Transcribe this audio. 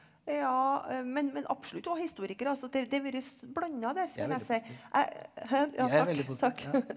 ja men men absolutt òg historikere altså det det har vært blanda der vil jeg si jeg hæ ja takk takk .